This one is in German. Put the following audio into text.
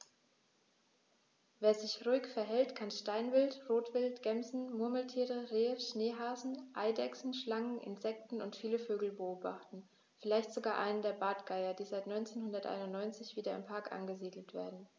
Wer sich ruhig verhält, kann Steinwild, Rotwild, Gämsen, Murmeltiere, Rehe, Schneehasen, Eidechsen, Schlangen, Insekten und viele Vögel beobachten, vielleicht sogar einen der Bartgeier, die seit 1991 wieder im Park angesiedelt werden.